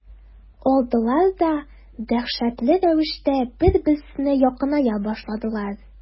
Алдылар да дәһшәтле рәвештә бер-берсенә якыная башладылар.